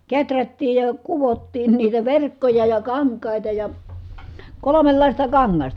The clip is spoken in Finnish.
kehrättiin ja kudottiin niitä verkkoja ja kankaita ja kolmenlaista kangasta